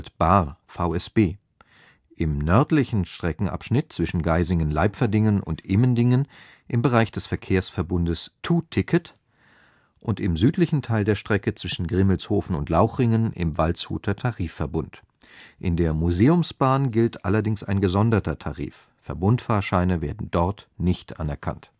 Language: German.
Schwarzwald-Baar (VSB). Im nördlichen Streckenabschnitt zwischen Geisingen-Leipferdingen und Immendingen im Bereich des Verkehrsverbundes TUTicket und im südlichen Teil der Strecke zwischen Grimmelshofen und Lauchringen im Waldshuter Tarifverbund. In der Museumsbahn gilt allerdings ein gesonderter Tarif. Verbundfahrscheine werden dort nicht anerkannt